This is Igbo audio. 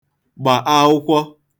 gbà aụkwọ